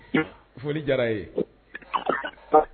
Foli diyar'an ye